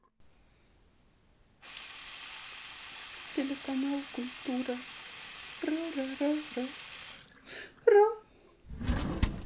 телеканал культура ра ра ра ра